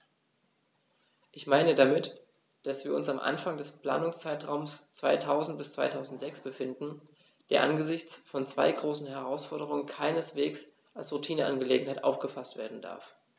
Ich meine damit, dass wir uns am Anfang des Planungszeitraums 2000-2006 befinden, der angesichts von zwei großen Herausforderungen keineswegs als Routineangelegenheit aufgefaßt werden darf.